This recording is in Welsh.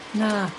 Na.